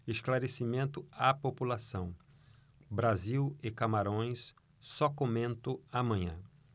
esclarecimento à população brasil e camarões só comento amanhã